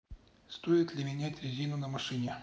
стоит ли менять резину на машине